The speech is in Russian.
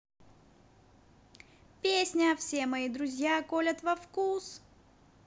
песня все мои друзья колят во вкус